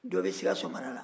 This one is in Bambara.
dɔ bɛ sikaso mara la